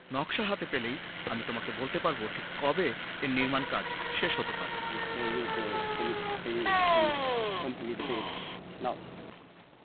নকশা হাতে পেলেই আমি তোমাকে বলতে পারবো ঠিক কবে এ নির্মাণ কাজ শেষ হতে পারে কমপ্লিট ডেট নাও